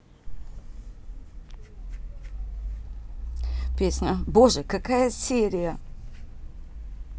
песня боже какая серия